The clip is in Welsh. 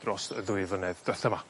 dros y ddwy flynedd dwetha 'ma.